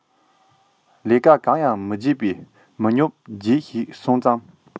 ལས ཀ གང ཡང མི སྒྱིད པའི མི ཉོབ སྒྱེ ཞིག སོང ཙང